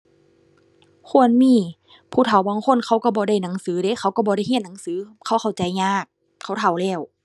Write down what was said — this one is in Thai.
ควรมี ผู้เฒ่าบางคนเขาก็บ่ได้หนังสือเดะ เขาก็บ่ได้เรียนหนังสือ เขาเข้าใจยาก เขาเฒ่าแล้ว